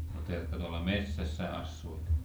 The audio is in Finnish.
mutta jotka tuolla metsässä asuvat